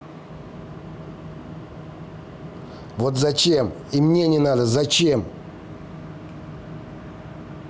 вот зачем и мне не надо зачем